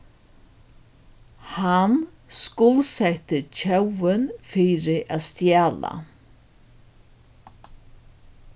hann skuldsetti tjóvin fyri at stjala